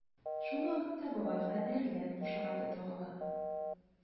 Шул вакытта бабайга “әрлән” кушаматы тагыла.